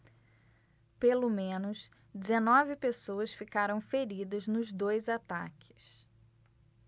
pelo menos dezenove pessoas ficaram feridas nos dois ataques